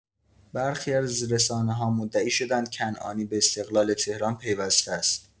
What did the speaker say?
برخی از رسانه‌ها مدعی شدند کنعانی به استقلال تهران پیوسته است